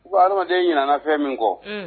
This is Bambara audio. Ko ha adamaden ɲinana fɛn min kɔ